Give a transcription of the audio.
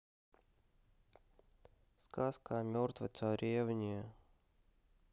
сказка о мертвой царевне